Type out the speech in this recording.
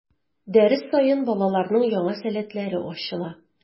Дәрес саен балаларның яңа сәләтләре ачыла.